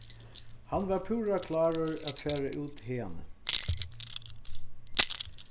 hann var púra klárur at fara út haðani